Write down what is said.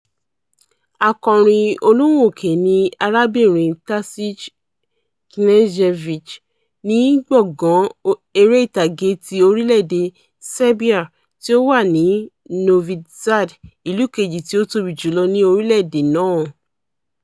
Akọrin-olóhùn-òkè ni arábìnrin Tasić Knežević ní Gbọ̀ngan Eré-ìtàgé ti orílẹ̀-èdè Serbia tí ó wà ní Novi Sad, ìlú kejì tí ó tóbi jù lọ ní orílẹ̀-èdè náà.